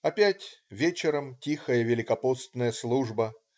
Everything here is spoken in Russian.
Опять вечером тихая великопостная служба.